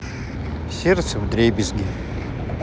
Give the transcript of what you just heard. сердце вдребезги